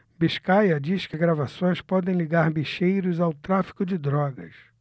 biscaia diz que gravações podem ligar bicheiros ao tráfico de drogas